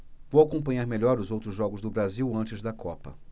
vou acompanhar melhor os outros jogos do brasil antes da copa